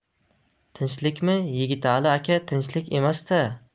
tinchlikmi yigitali aka tinchlik emasda